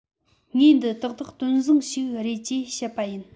ངས འདི ཏག ཏག དོན བཟང ཞིག རེད ཅེས བཤད པ ཡིན